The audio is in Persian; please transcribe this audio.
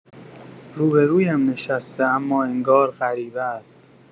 روبه‌رویم نشسته، اما انگار غریبه است.